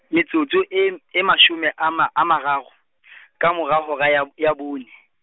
metsotso e m-, e mashome a ma- a mararo , ka morao hora ya, ya bone.